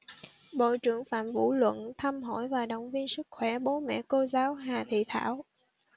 bộ trưởng phạm vũ luận thăm hỏi và động viên sức khỏe bố mẹ cô giáo hà thị thảo